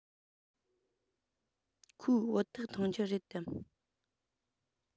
ཁོས བོད ཐུག འཐུང རྒྱུ རེད དམ